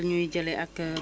chaque jour am na prévision